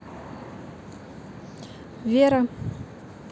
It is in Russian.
вера